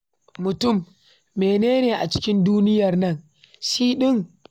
Mutum: "Mene ne a cikin duniyar nan shi ɗin?"